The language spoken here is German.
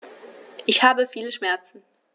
Ich habe viele Schmerzen.